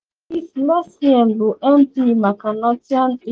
Chris Leslie bụ MP maka Nottingham East